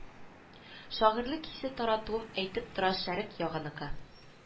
Шагыйрәлек хисе таратуым әйтеп тора шәрекъ ягыныкы